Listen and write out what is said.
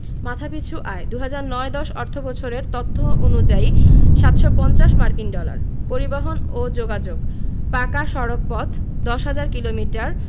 মাথাপিছু আয়ঃ ২০০৯ ১০ অর্থবছরের তথ্য অনুযায়ী ৭৫০ মার্কিন ডলার পরিবহণ ও যোগাযোগঃ পাকা সড়কপথ ১০হাজার কিলোমিটার